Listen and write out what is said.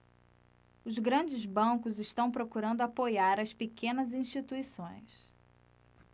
os grandes bancos estão procurando apoiar as pequenas instituições